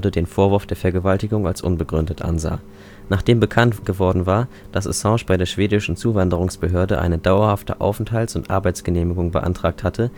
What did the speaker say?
den Vorwurf der Vergewaltigung als unbegründet ansah. Nachdem bekannt geworden war, dass Assange bei der schwedischen Zuwanderungsbehörde eine dauerhafte Aufenthalts - und Arbeitsgenehmigung beantragt hatte